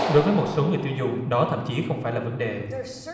đối với một số người tiêu dùng đó thậm chí không phải là vấn đề